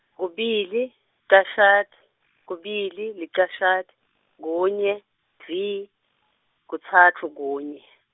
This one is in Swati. kubili cashati kubili licashati kunye dvwi kutsatfu kunye.